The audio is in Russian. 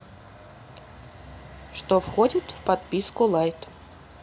что входит в подписку лайт